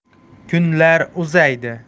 kunlar uzaydi